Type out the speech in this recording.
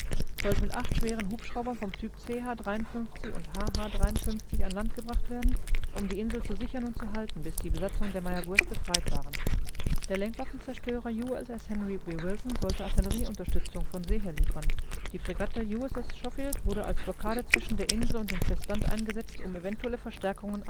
sollte mit acht schweren Hubschraubern vom Typ CH-53 und HH-53 an Land gebracht werden, um die Insel zu sichern und zu halten, bis die Besatzung der Mayaguez befreit waren. Der Lenkwaffenzerstörer USS Henry B. Wilson sollte Artillerieunterstützung von See her liefern, die Fregatte USS Schofield wurde als Blockade zwischen der Insel und dem Festland eingesetzt, um eventuelle Verstärkungen abzufangen